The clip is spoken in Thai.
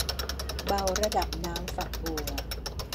เบาระดับน้ำฝักบัว